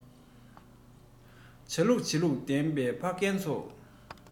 བྱ ལུགས བྱེད ལུགས ལྡན པའི ཕ རྒན ཚོ